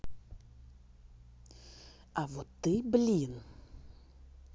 а вот ты блин